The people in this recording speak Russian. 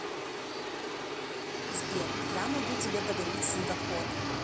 сбер я могу тебе подарить снегоход